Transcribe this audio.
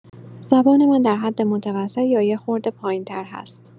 زبان من در حد متوسط یا یه خورده پایین‌تر هست